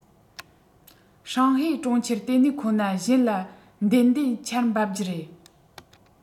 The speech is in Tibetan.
ཧྲང ཧའེ གྲོང ཁྱེར ལྟེ གནས ཁོ ན གཞན ལ འདེད འདེད ཆར འབབ རྒྱུ རེད